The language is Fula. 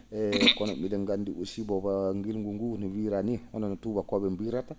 kono bi?en nganndi aussi bo* ngilngu nguu no wiyiraa nii hono no tuubakoo?e mbiyirata